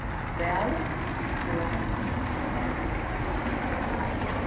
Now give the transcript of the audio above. væl og mæl